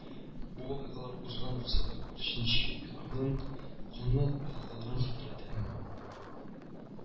Бу вакыйгалар узган гасырдагы утыз җиденче елларның канлы вакыйгаларын хәтерләтә